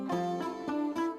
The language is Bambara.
Nse